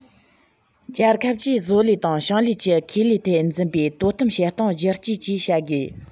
རྒྱལ ཁབ ཀྱིས བཟོ ལས དང ཞིང ལས ཀྱི ཁེ ལས ཐད འཛིན པའི དོ དམ བྱེད སྟངས བསྒྱུར བཅོས བཅས བྱ དགོས